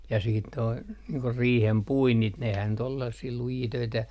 ja sitten tuo niin kuin riihen puinnit nehän nyt oli sellaisia lujia töitä